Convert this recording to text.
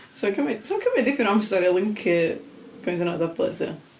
'Sa'n cymryd 'sa'n cymryd dipyn o amser i lyncu gymaint a hynna o dablets, ia.